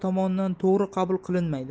tomonidan to'g ri qabul qilinmaydi